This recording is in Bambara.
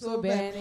So kosɛbɛ